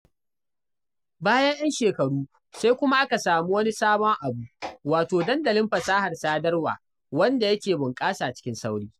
Bayan 'yan shekaru, sai kuma aka samu sabon abu, wato dandalin fasahar sadarwa, wanda yake bunƙasa cikin sauri.